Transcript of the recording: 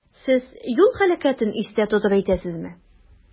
Сез юл һәлакәтен истә тотып әйтәсезме?